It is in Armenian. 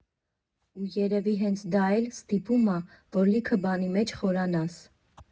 Ու երևի հենց դա էլ ստիպում ա, որ լիքը բանի մեջ խորանաս։